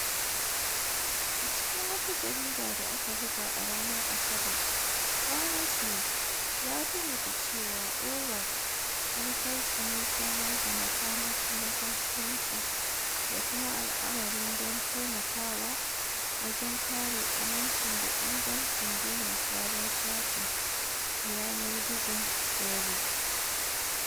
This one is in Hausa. A cikin wata jarida da aka buga a ranar Asabar, Berners-Lee ya rubuta cewa "Inrupt" manufar shi ne samar da makamashi na kasuwanci da kuma al'amarin don taimakawa wajen kare amincin da ingancin ginin sabon shafin yanar gizon Solid. "